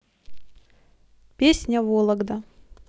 песня вологда